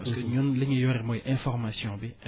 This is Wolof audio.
parce que ñun li ñu yore mooy information bi